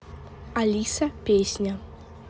алиса песня